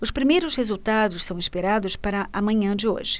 os primeiros resultados são esperados para a manhã de hoje